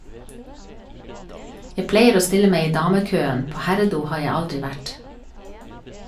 Jeg pleier å stille meg i damekøen, på herredo har jeg aldri vært.